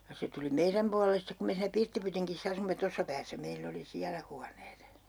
ja se tuli meidän puolelle sitten kun me siinä pirttipytingissä asuimme tuossa päässä meillä oli siellä huoneet